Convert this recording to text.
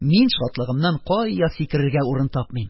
Мин шатлыгымнан кая сикерергә урын тапмыйм.